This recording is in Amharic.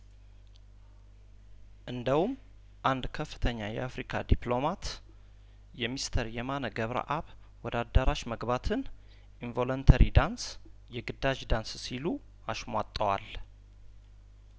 እንደ ውም አንድ ከፍተኛ የአፍሪካ ዲፕሎማት የሚስተር የማነ ገብረአብ ወደ አዳራሽ መግባትን ኢን ቮለንተሪ ዳንስ የግዳጅ ዳንስ ሲሉ አሽሟጠዋል